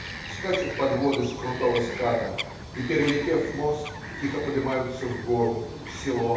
Скачут подводы с крутого ската и, перелетев мост, тихо подымаются в гору, в село.